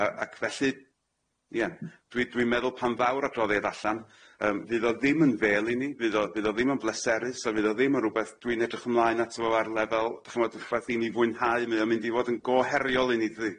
Yym a ac felly ie dwi dwi'n meddwl pan fawr adroddiad allan yym fydd o ddim yn fêl i ni fydd o fydd o ddim yn bleserus a fydd o ddim yn rwbeth dwi'n edrych ymlaen ato fo ar lefel d'ch'mod fath i mi fwynhau mi o'n mynd i fod yn go heriol i ni dydi?